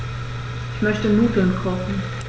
Ich möchte Nudeln kochen.